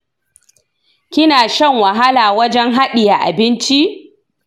kina shan wahala wajen hadiye abinci?